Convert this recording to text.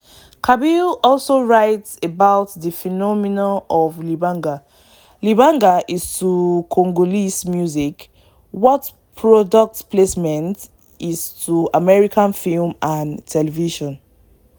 Cabiau also writes about the phenomenon of “libanga.” Libanga is to Congolese music what product placement is to American film and television.